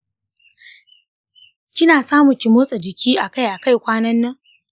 kina samu ki motsa jiki akai akai kwanan nan?